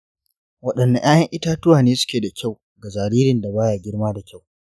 wadanne ‘ya’yan itatuwa ne suke da kyau ga jaririn da baya girma da kyau?